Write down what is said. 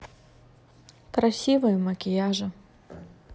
красивые макияжи